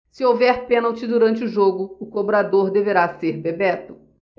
se houver pênalti durante o jogo o cobrador deverá ser bebeto